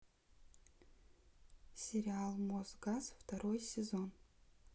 сериал мосгаз второй сезон